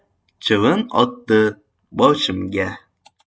chivin otdi boshimga